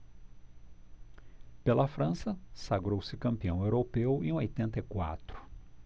pela frança sagrou-se campeão europeu em oitenta e quatro